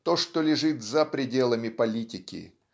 то, что лежит за пределами политики